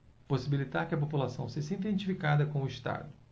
possibilitar que a população se sinta identificada com o estado